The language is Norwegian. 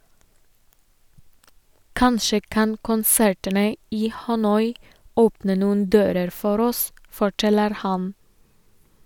Kanskje kan konsertene i Hanoi åpne noen dører for oss, forteller han.